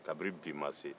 kabini bi ma se